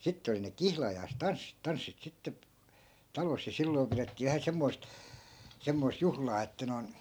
sitten oli ne kihlajaistanssit tanssit sitten - talossa ja silloin pidettiin vähän semmoista semmoista juhlaa että noin